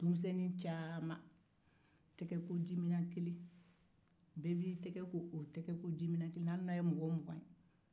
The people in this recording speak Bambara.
denmisɛnnin caman tɛgɛkojiminɛn kelen hali n'aw ye mɔgɔ mugan ye 20